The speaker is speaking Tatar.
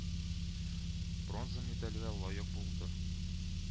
Бронза медальгә лаек булды